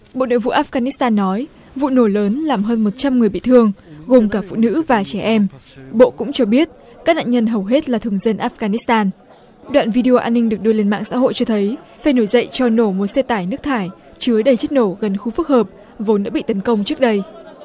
bộ nội vụ áp ga nít tan nói vụ nổ lớn làm hơn một trăm người bị thương gồm cả phụ nữ và trẻ em bộ cũng cho biết các nạn nhân hầu hết là thường dân áp ga nít tan đoạn vi đê ô an ninh được đưa lên mạng xã hội cho thấy phe nổi dậy cho nổ một xe tải nước thải chứa đầy chất nổ gần khu phức hợp vốn đã bị tấn công trước đây